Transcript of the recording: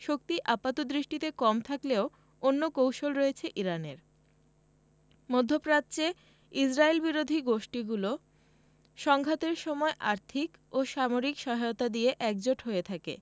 শক্তি আপাতদৃষ্টিতে কম থাকলেও অন্য কৌশল রয়েছে ইরানের মধ্যপ্রাচ্যে ইসরায়েলবিরোধী গোষ্ঠীগুলো সংঘাতের সময় আর্থিক ও সামরিক সহায়তা দিয়ে একজোট হয়ে থাকে